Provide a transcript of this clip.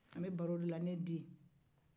an bɛ baro de la ne den